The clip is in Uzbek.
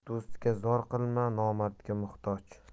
do'stga zor qilma nomardga muhtoj